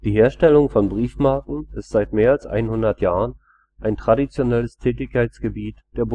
Herstellung von Briefmarken ist seit mehr als 100 Jahren ein traditionelles Tätigkeitsgebiet der Bundesdruckerei